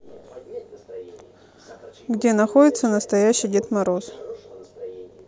где находится настоящий дед мороз